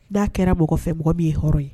N'a kɛra mɔgɔ fɛ mɔgɔ min ye hɔrɔn ye